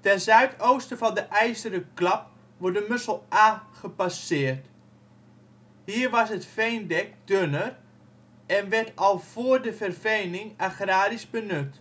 Ten zuidoosten van de IJzeren klap wordt de Mussel-Aa gepasseerd. Hier was het veendek dunner en werd het al voor de verveningen agrarisch benut